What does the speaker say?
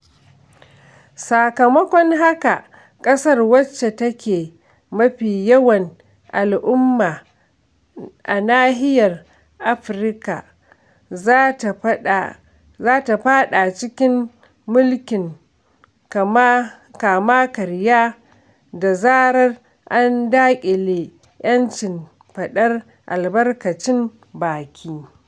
Sakamakon haka, ƙasar wacce take mafi yawan al'umma a nahiyar Afirka za ta faɗa cikin mulkin kama karya da zarar an daƙile 'yancin faɗar albarkacin baki.